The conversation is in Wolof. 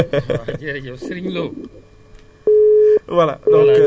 waa Ablaye assurance bi de nun noo xamul noo xamul dara